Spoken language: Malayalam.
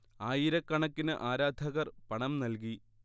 ആയിരക്കണക്കിന് ആരാധകർ പണം നൽകി